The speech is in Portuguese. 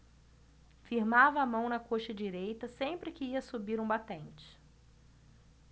firmava a mão na coxa direita sempre que ia subir um batente